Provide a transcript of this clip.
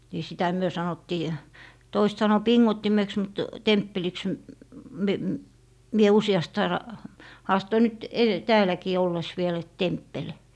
niin sitä me sanottiin toiset sanoi pingottimeksi mutta temppeliksi -- minä useasti aina haastoin nyt - täälläkin ollessa vielä että temppeli